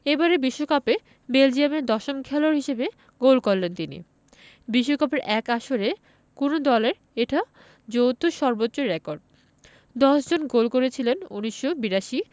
এবারের বিশ্বকাপে বেলজিয়ামের দশম খেলোয়াড় হিসেবে গোল করলেন তিনি বিশ্বকাপের এক আসরে কোনো দলের এটা যৌথ সর্বোচ্চ রেকর্ড ১০ জন গোল করেছিলেন ১৯৮২